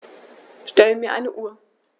Stell mir eine Uhr.